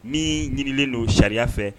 Min ɲinilen n dono sariya fɛ